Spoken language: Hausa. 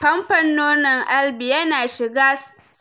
fumfon nonon Elvie yana shiga